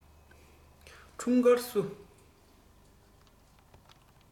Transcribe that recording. འཁྲུངས སྐར བསུ